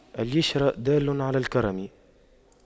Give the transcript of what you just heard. الْبِشْرَ دال على الكرم